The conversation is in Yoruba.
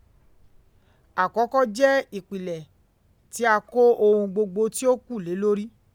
Àkọ́kọ́ jẹ́ ìpilẹ̀ tí a kó ohun gbogbo tí ó kù lé lórí.